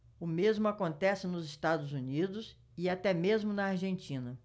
o mesmo acontece nos estados unidos e até mesmo na argentina